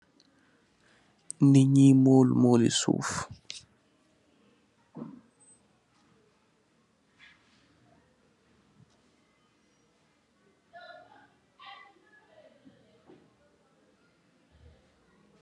Nit ñiy mool mool i suuf.